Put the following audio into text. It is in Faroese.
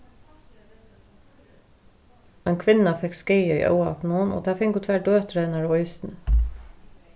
ein kvinna fekk skaða í óhappinum og tað fingu tvær døtur hennara eisini